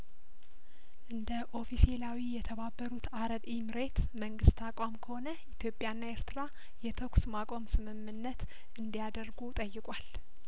እንደ ኦፊሴላዊ የተባበሩት አረብ ኤምሬት መንግስት አቋም ከሆነ ኢትዮጵያና ኤርትራ የተኩስ ማቆም ስምምነት እንዲያደርጉ ጠይቋል